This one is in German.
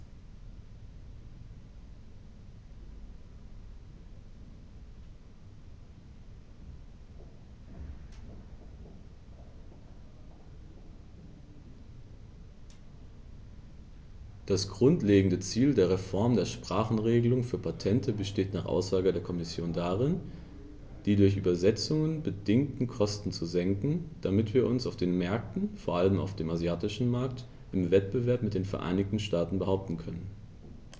Das grundlegende Ziel der Reform der Sprachenregelung für Patente besteht nach Aussage der Kommission darin, die durch Übersetzungen bedingten Kosten zu senken, damit wir uns auf den Märkten, vor allem auf dem asiatischen Markt, im Wettbewerb mit den Vereinigten Staaten behaupten können.